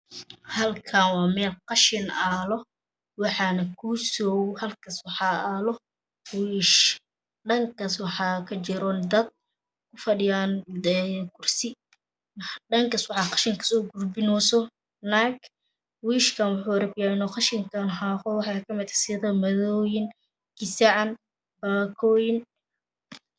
Halkanwaameelqashin yaalo waxakusoya waxana halkas yalo wish dhakas waxaka jira dad fadhiyankursi dhankas waxa qashinkasogurbinoyso naag wiishkan wuxuraba inuqashan gurbiyi waxakamid ah sida maroyin gasac an baakoyin